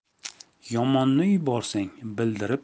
yomonni yuborsang bildirib